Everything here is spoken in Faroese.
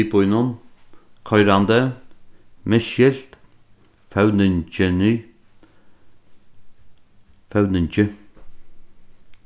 miðbýnum koyrandi misskilt føvningi